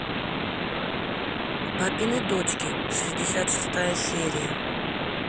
папины дочки шестьдесят шестая серия